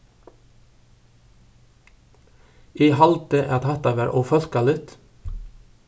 eg haldi at hatta var ófólkaligt